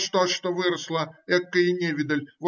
– Что ж, что выросла! Эка невидаль!